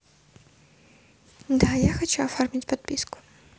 да я хочу оформить подписку